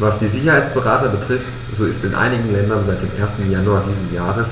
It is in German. Was die Sicherheitsberater betrifft, so ist in einigen Ländern seit dem 1. Januar dieses Jahres